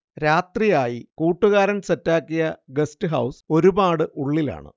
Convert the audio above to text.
രാത്രിയായി, കൂട്ടുകാരൻ സെറ്റാക്കിയ ഗസ്റ്റ് ഹൌസ് ഒരുപാട് ഉള്ളിലാണ്